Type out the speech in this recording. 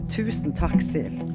tusen takk, Siv.